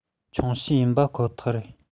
ཆུང ཤོས ཡིན པ ཁོ ཐག རེད